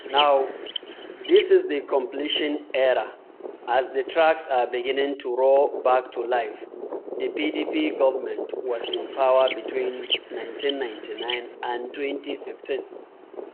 Now, this is the 'Completion Era' as the tracks are beginning to roar back to life.” The PDP government was in power between 1999 and 2015.